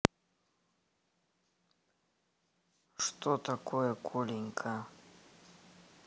что такое коленька